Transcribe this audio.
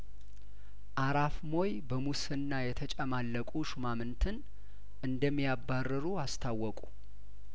አራፍሞይ በሙስና የተጨማለቁ ሹማምንትን እንደሚያባርሩ አስታወቁ